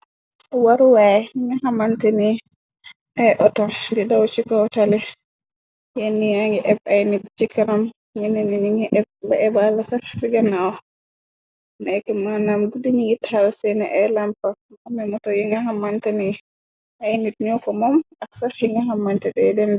Waruwaay nga xamanta ni ay oto di daw ci ko tale yenni angi éb ay nit ci karam ñenne ni ni ngi ba ebal sax si gannaaw nekk mannam guddi ñi ngi taxal seeni ay lampa mamimoto yi nga xamanta ni ay nit ñoo ko moom ak sax xi nga xamante te ye deme.